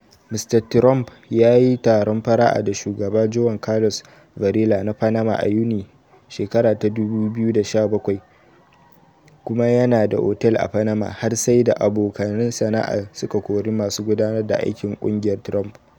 Mr. Trump ya yi taron fara’a da Shugaba Juan Carlos Varela na Panama a Yuni 2017 kuma yana da otel a Panama har sai da abokanan sana’a suka kori masu gudanar da aikin kungiyar Trump.